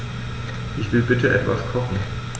Ich will bitte etwas kochen.